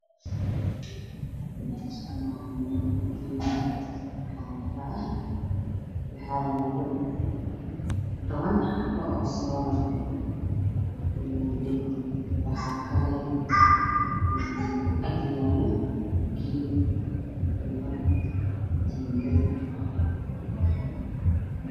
Waxaa ka muuqda toban iyo kow xabba oo soolar ah waxaa uu agdhowgeedo iyo guri midabkiisu yahay jaallo